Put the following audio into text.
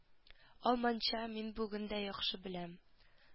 Алманча мин бүген дә яхшы беләм